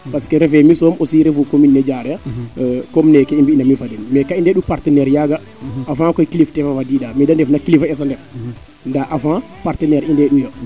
parce que refee mi soom aussi revue commune o Diarekhe comme neeke i mbina mi fo den mee ka i nde'u partenaire yaaga avant koy kilifteef a fadida mais mede nndefna kilifa es a ndef nda avant partenaire i ndee'u yo